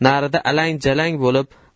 narida alang jalang bo'lib